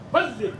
Baasise